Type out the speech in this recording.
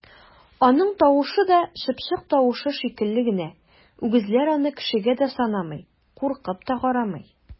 Аның тавышы да чыпчык тавышы шикелле генә, үгезләр аны кешегә дә санамый, куркып та карамый!